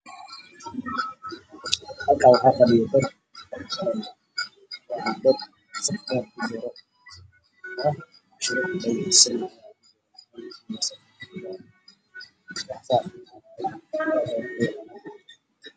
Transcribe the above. Waa masaajid niman ayaa joogo oo cashar qoraayo